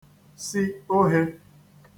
si ohē